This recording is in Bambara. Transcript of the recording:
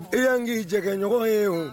I y'an k'i jɛgɛɲɔgɔn ye